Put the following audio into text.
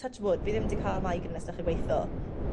touch wood fi ddim 'di ca'l y migraine ers dechre gweitho.